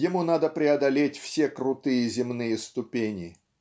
ему надо преодолеть все крутые земные ступени.